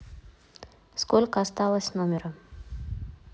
сколько осталось номера